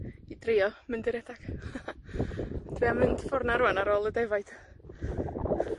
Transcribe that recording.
i drio mynd i radag. Dwi am mynd ffor 'na rwan ar ôl y defaid.